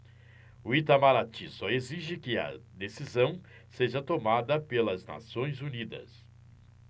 o itamaraty só exige que a decisão seja tomada pelas nações unidas